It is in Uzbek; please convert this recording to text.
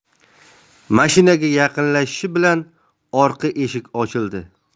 mashinaga yaqinlashishi bilan orqa eshik ochildi